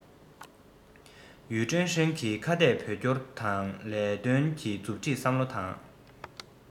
ཡུས ཀྲེང ཧྲེང གིས ཁ གཏད བོད སྐྱོར ལས དོན གྱི མཛུབ ཁྲིད བསམ བློ དང